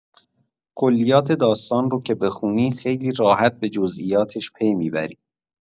کلیات داستان رو که بخونی، خیلی راحت به جزئیاتش پی می‌بری.